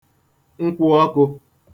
nkwuọkụ̄